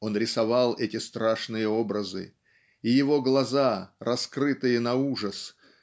он рисовал эти страшные образы и его глаза раскрытые на ужас